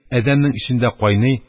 Адәмнең эчендә кайный,